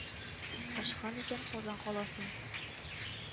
Ачкан икән Казан каласын